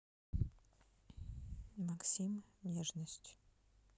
максим нежность